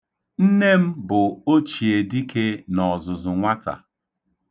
Nne m bụ ochiedike n'ọzụzụ nwata.